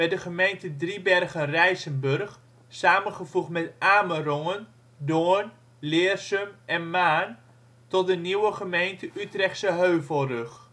de gemeente Driebergen-Rijsenburg samengevoegd met Amerongen, Doorn, Leersum en Maarn tot de nieuwe gemeente Utrechtse Heuvelrug